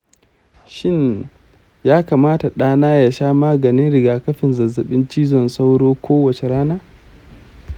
shin ya kamata ɗa na ya sha maganin rigakafin zazzabin cizon sauro kowace rana?